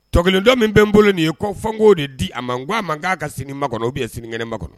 Tɔ kelen tɔ min bɛ n bolo nin ye kɔ fɔ n k'o de di a ma, n k'a ma k'a ka sini makɔnɔ ou bien sinikɛnɛ makɔnɔ.